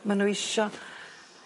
ma' n'w isio